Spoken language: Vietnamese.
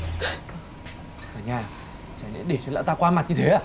cả nhà chả lẽ để cho lão ta qua mặt như thế à